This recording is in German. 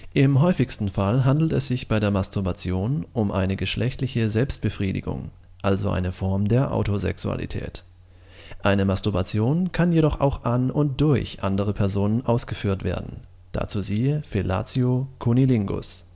Im häufigsten Fall handelt es sich bei der Masturbation um eine geschlechtliche Selbstbefriedigung, also eine Form der Autosexualität. Eine Masturbation kann jedoch auch an und durch andere Personen ausgeführt werden (dazu siehe Fellatio, Cunnilingus